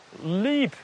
lyb